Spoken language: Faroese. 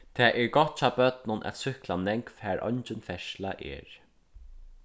tað er gott hjá børnum at súkkla nógv har eingin ferðsla er